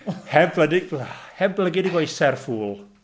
Heb blydu- heb blygu dy goesau'r ffŵl.